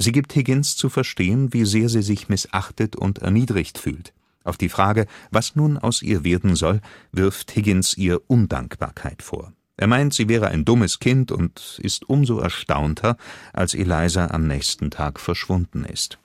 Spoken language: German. gibt Higgins zu verstehen, wie sehr sie sich missachtet und erniedrigt fühlt. Auf die Frage, was nun aus ihr werden soll, wirft Higgins ihr Undankbarkeit vor. Er meint, sie wäre ein dummes Kind und ist umso erstaunter, als Eliza am nächsten Tag verschwunden ist